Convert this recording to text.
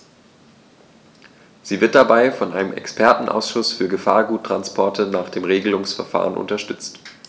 Sie wird dabei von einem Expertenausschuß für Gefahrguttransporte nach dem Regelungsverfahren unterstützt.